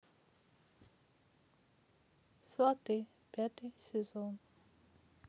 сваты пятый сезон